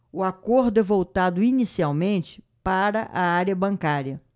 o acordo é voltado inicialmente para a área bancária